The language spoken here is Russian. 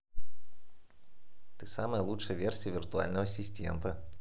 ты самая лучшая версия виртуального ассистента